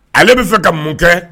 Ale bɛ fɛ ka mun kɛ